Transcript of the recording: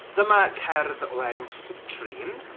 dyma cerdd o enw Citrine.